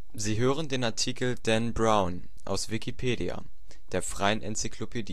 Sie hören den Artikel Dan Brown, aus Wikipedia, der freien Enzyklopädie